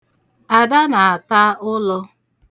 Ada na-ata ụlọ.